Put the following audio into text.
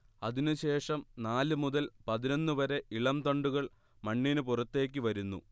അതിനു ശേഷം നാലു മുതൽ പതിനൊന്നു വരെ ഇളം തണ്ടുകൾ മണ്ണിനു പുറത്തേക്കു വരുന്നു